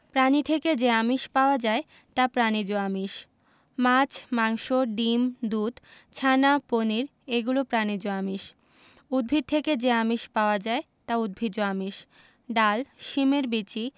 প্রাণী থেকে যে আমিষ পাওয়া যায় তা প্রাণিজ আমিষ মাছ মাংস ডিম দুধ ছানা পনির এগুলো প্রাণিজ আমিষ উদ্ভিদ থেকে যে আমিষ পাওয়া যায় তা উদ্ভিজ্জ আমিষ ডাল শিমের বিচি